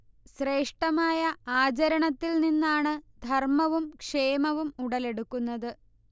ശ്രേഷ്ഠമായ ആചരണത്തിൽ നിന്നാണ് ധർമ്മവും ക്ഷേമവും ഉടലെടുക്കുന്നത്